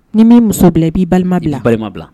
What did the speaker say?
Ni min muso bila b'i balima bɛ balima bila